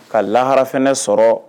Ka laharafɛnɛ sɔrɔ